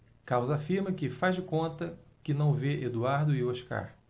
carlos afirma que faz de conta que não vê eduardo e oscar